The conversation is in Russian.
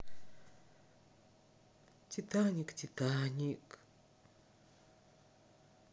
титаник титаник